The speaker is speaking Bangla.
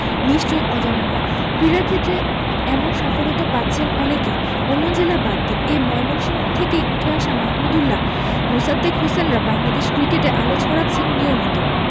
নিশ্চয়ই অজানা নয় ক্রীড়াক্ষেত্রে এমন সাফল্য তো পাচ্ছেন অনেকেই অন্য জেলা বাদ দিন এ ময়মনসিংহ থেকেই উঠে আসা মাহমুদউল্লাহ মোসাদ্দেক হোসেনরা বাংলাদেশ ক্রিকেটে আলো ছড়াচ্ছেন নিয়মিত